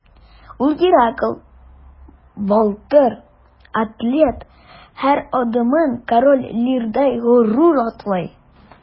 Ул – Геракл, Былтыр, атлет – һәр адымын Король Лирдай горур атлый.